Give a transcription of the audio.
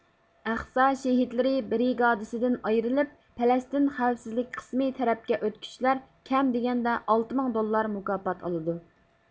ئەقسا شېھىتلىرى برىگادىسىدىن ئايرىلىپ پەلەستىن خەۋپسىزلىك قىسىمى تەرەپكە ئۆتكۈچىلەر كەم دېگەندە ئالتە مىڭ دوللار مۇكاپات ئالىدۇ